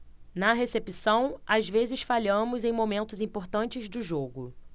na recepção às vezes falhamos em momentos importantes do jogo